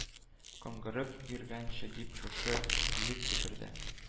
Каңгырып йөргәнче дип шушы биек күпердә